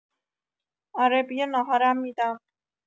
اره بیا ناهارم می‌دم.